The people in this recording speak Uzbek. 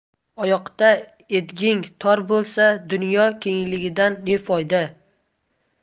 oyoqda edging tor bo'lsa dunyo kengligidan ne foyda